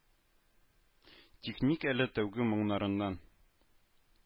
Тик ник әле тәүге моңнарыннан